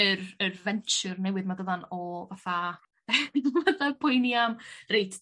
yr yr venture newydd ma' dydan o fatha poeni am reit